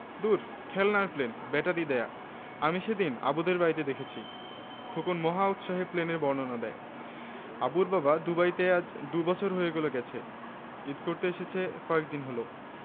গত মঙ্গলবার বিকেলে সোনালি রোদ্দুরে একঝাঁক মেয়ের একাগ্র অনুশীলন দেখেই বোঝা যায় এটাই সেই মাঠ যেখানে ফুটবলার হওয়ার প্রথম দীক্ষা পেয়েছে তহুরা মারিয়া শামসুন্নাহার মার্জিয়ারা